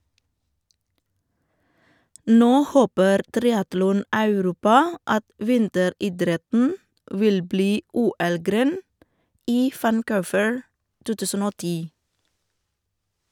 Nå håper triatlon-Europa at vinteridretten vil bli OL-gren i Vancouver 2010.